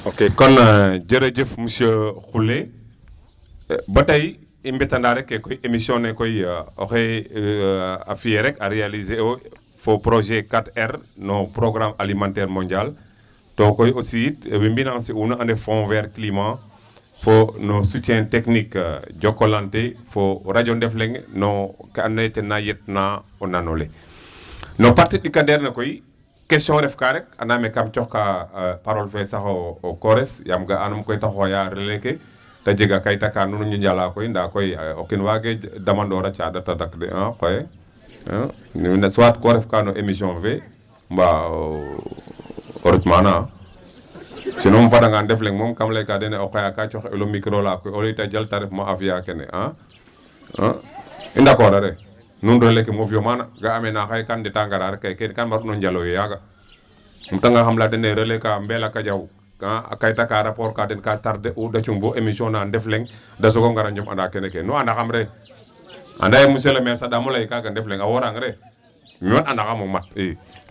ok kon jërëjëf monsieur Khoule ba tey